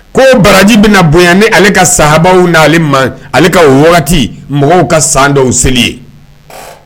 Ko baraji bɛna bonya ni ale ka sahaw naale ma ale ka wagati mɔgɔw ka san dɔw seli ye